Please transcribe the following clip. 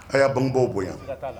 A y'a bangebaw bonya, siga t'a la.